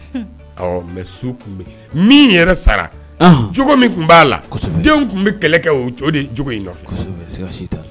Mɛ min yɛrɛ sara cogo min tun b'a la denw tun bɛ kɛlɛ kɛ o cogo cogo in nɔfɛ